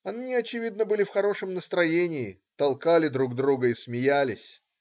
Они, очевидно, были в хорошем настроении, толкали друг друга и смеялись.